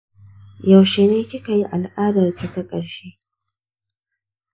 yaushe ne kika yi al’adarki ta ƙarshe?